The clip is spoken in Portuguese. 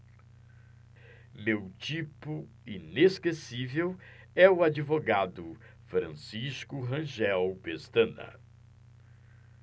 meu tipo inesquecível é o advogado francisco rangel pestana